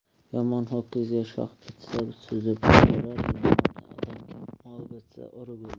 yomon ho'kizga shox bitsa suzib o'ldirar yomon odamga mol bitsa urib o'ldirar